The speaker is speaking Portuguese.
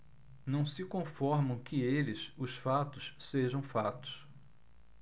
não se conformam que eles os fatos sejam fatos